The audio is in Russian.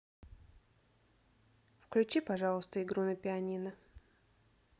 включи пожалуйста игру на пианино